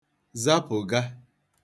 zapụ̀ga